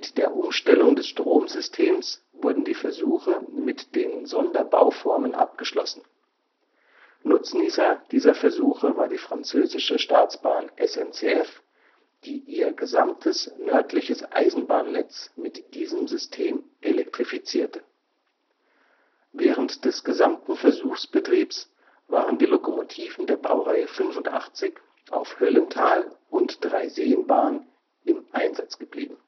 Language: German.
der Umstellung des Stromsystems wurden die Versuche mit den Sonderbauformen abgeschlossen. Nutznießer dieser Versuche war die französische Staatsbahn SNCF, die ihr gesamtes nördliches Eisenbahnnetz mit diesem System elektrifizierte. Während des gesamten Versuchsbetriebs waren die Lokomotiven der Baureihe 85 auf Höllental - und Dreiseenbahn im Einsatz geblieben